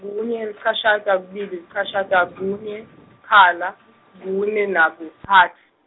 kunye lichashata kubili chashata kunye, isikhala, kune, nakutsatfu.